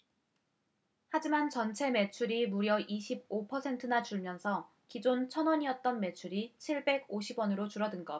하지만 전체 매출이 무려 이십 오 퍼센트나 줄면서 기존 천 원이었던 매출이 칠백 오십 원으로 줄어든 것